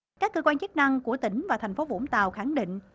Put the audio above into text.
các cơ quan chức năng của tỉnh và thành phố vũng tàu khẳng định